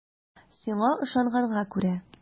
Сиңа ышанганга күрә.